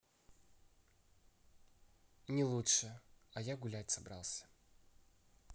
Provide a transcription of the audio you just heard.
не лучше а я гулять собрался